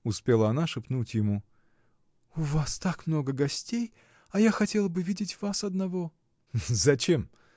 — успела она шепнуть ему, — у вас так много гостей, а я хотела бы видеть вас одного. — Зачем?